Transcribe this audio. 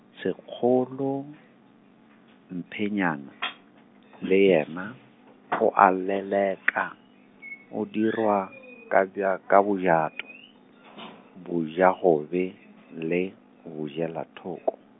Segolo , Mphonyana , le yena, oa leleka , o dirwa ka bja, ka bojato , bojagobe le, bojelathoko.